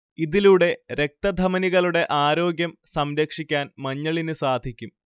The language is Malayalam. ഇതിലൂടെ രക്തധമനികളുടെ ആരോഗ്യം സംരക്ഷിക്കാൻ മഞ്ഞളിന് സാധിക്കും